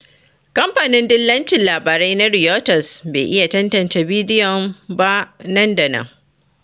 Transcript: Kamfanin dillacin labarai na Reuters bai iya tantance bidiyon ba nan da nan.